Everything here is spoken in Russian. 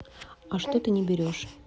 а что ты не берешь